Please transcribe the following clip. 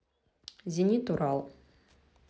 зенит урал